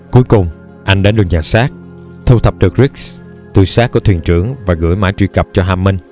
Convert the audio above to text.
cuối cùng anh đến được nhà xác thu thập được rigs từ xác của thuyền trưởng và gửi mã truy cập cho hammond